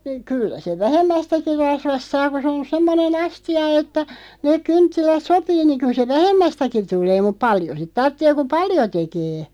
kyllä sen vähemmästäkin rasvasta saa kun se on semmoinen astia että ne kynttilät sopii niin kyllä se vähemmästäkin tulee mutta paljon sitä tarvitsee kun paljon tekee